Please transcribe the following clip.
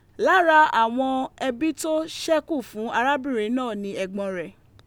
Lara awọn ẹbi to ṣẹ́kù fun arabinrin náà ni ẹgbọn rẹ.